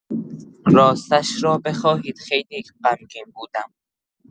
راستش را بخواهید خیلی غمگین بودم.